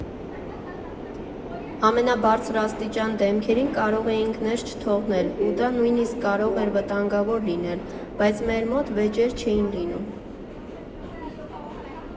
Ամենաբարձրաստիճան դեմքերին կարող էինք ներս չթողել ու դա նույնիսկ կարող էր վտանգավոր լինել, բայց մեր մոտ վեճեր չէին լինում։